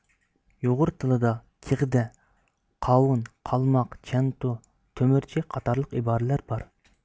يۇغۇر تىلىدا كېغدە قاۋۇن قالماق چەنتۇ تۆمۈرچى قاتارلىق ئىبارىلەر بار